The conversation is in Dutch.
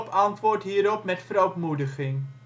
antwoordt hierop met verootmoediging